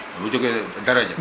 jonge daraja